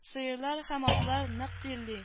Сыерлар һәм атлар нык тирли